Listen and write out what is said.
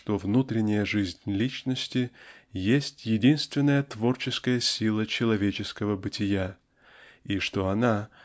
что внутренняя жизнь личности есть единственная творческая сила человеческого бытия и что она